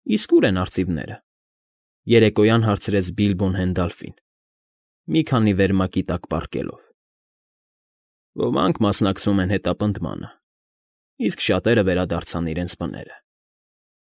Իսկ ո՞ւր են արծիվները,֊ երեկոյան հարցրեց Բիլբոն Հենդալֆին, մի քանի վերմակի տակ պառկելով։ ֊ Ոմանք մասնակցում են հետապնդմանը, իսկ շատերը վերադարձան իրենց բները։